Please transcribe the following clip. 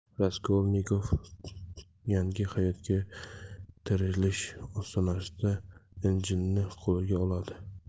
raskolnikov yangi hayotga tirilish ostonasida injilni qo'liga oladi